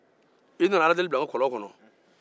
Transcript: i nana aladeli bila an ka kɔlɔn kɔnɔ